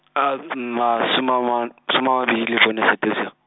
a masoma ama, soma a mabedi le bone sete sio-.